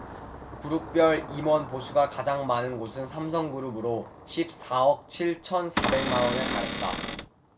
그룹별 임원 보수가 가장 많은 곳은 삼성그룹으로 십 사 억 칠 천 사백 만원에 달했다